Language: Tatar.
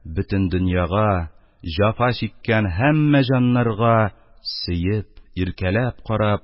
Бөтен дөньяга, җәфа чиккән һәммә җаннарга сөеп, иркәләп карап,